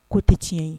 Ko tɛ tiɲɛ ye